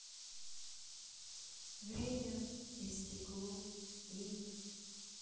время и стекло имя